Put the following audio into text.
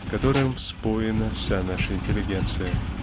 , которым вспоена вся наша интеллигенция.